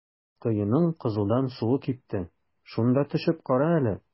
Коеның кызудан суы кипте, шунда төшеп кара әле.